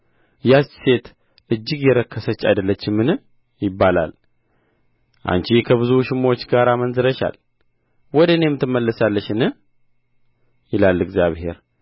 ያች ሴት እጅግ የረከሰች አይደለችምን ይባላል አንቺ ከብዙ ውሽሞች ጋር አመንዝረሻል ወደ እኔም ትመለሻለሽን ይላል እግዚአብሔር